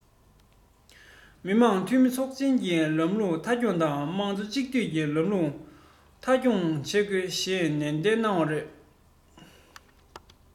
མི དམངས འཐུས མི ཚོགས ཆེན གྱི ལམ ལུགས མཐའ འཁྱོངས དང དམངས གཙོ གཅིག སྡུད ལམ ལུགས མཐའ འཁྱོངས བྱེད དགོས ཞེས ནན བཤད གནང བ རེད